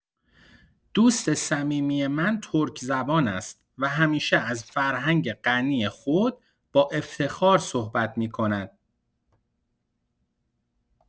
دوست صمیمی من ترک‌زبان است و همیشه از فرهنگ غنی خود با افتخار صحبت می‌کند.